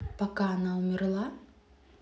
пока она умерла